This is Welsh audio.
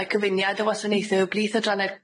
Mae cyfuniad y wasanaethe o blirh adranne'r